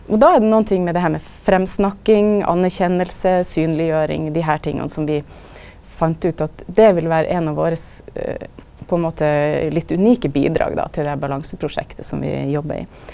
og då er det nokon ting med det her med framsnakking, anerkjenning, synleggering, dei her tinga som vi fann ut at det vil vera ein av våre på ein måte litt unike bidrag då til det her balanseprosjektet som vi jobbar i.